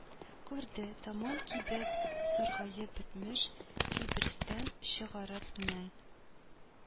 Күрде: тәмам кибеп, саргаеп бетмеш, хибестән чыгарып, мең